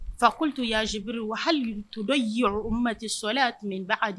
Fako to yazbururi halil to dɔ yɔrɔ mati sɔlaya tun bɛ n ba a de